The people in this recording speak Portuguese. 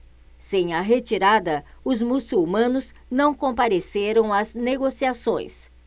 sem a retirada os muçulmanos não compareceram às negociações